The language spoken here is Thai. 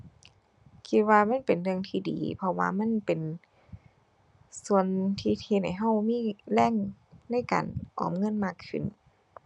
คิดว่ามันเป็นเรื่องที่ดีเพราะว่ามันเป็นส่วนที่เฮ็ดให้เรามีแรงในการออมเงินมากขึ้น